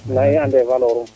nda i ande valeur um